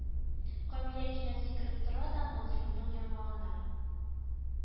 Камилә кинәт сикереп тора да Мансурның яңагына